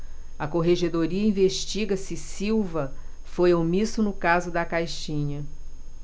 a corregedoria investiga se silva foi omisso no caso da caixinha